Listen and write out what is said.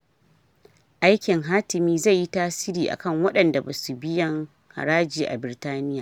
Aikin hatimi zai yi tasiri a kan waɗanda ba su biyan haraji a Birtaniya